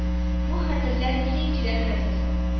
Бу хәтерләр нигә кирәк хәзер